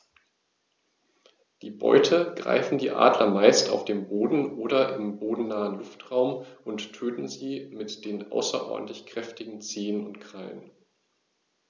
Die Beute greifen die Adler meist auf dem Boden oder im bodennahen Luftraum und töten sie mit den außerordentlich kräftigen Zehen und Krallen.